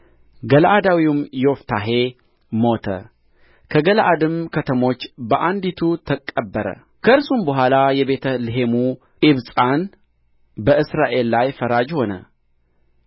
ገለዓዳዊውም ዮፍታሔ ሞተ ከገለዓድም ከተሞች በአንዲቱ ተቀበረ ከእርሱም በኋላ የቤተ ልሔሙ ኢብጻን በእስራኤል ላይ ፈራጅ ሆነ